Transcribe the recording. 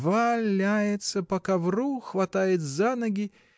Валяется по ковру, хватает за ноги.